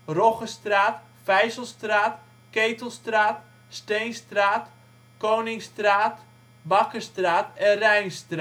Roggestraat, Vijzelstraat, Ketelstraat, Steenstraat, Koningstraat, Bakkerstraat en Rijnstraat